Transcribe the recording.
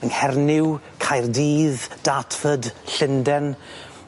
yng Nghernyw, Cardydd, Dartford, Llenden.